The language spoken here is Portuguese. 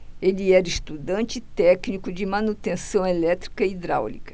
ele era estudante e técnico de manutenção elétrica e hidráulica